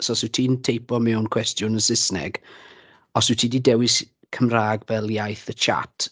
So os ti'n teipo mewn cwestiwn yn y Saesneg, os wyt ti 'di dewis Cymraeg fel iaith y chat...